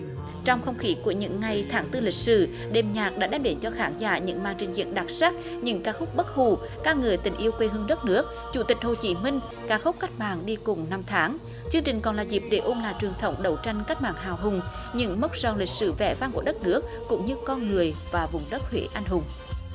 trong không khí của những ngày tháng tư lịch sử đêm nhạc đã đem đến cho khán giả những màn trình diễn đặc sắc những ca khúc bất hủ ca ngợi tình yêu quê hương đất nước chủ tịch hồ chí minh ca khúc cách mạng đi cùng năm tháng chương trình còn là dịp để ôn lại truyền thống đấu tranh cách mạng hào hùng những mốc son lịch sử vẻ vang của đất nước cũng như con người và vùng đất huế anh hùng